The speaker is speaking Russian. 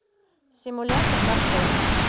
симулятор маршрут